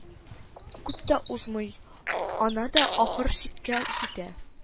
Күп тә узмый, ана да ахыр чиккә җитә